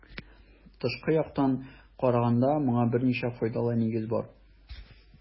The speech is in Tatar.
Тышкы яктан караганда моңа берничә файдалы нигез бар.